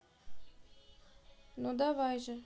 ну давай же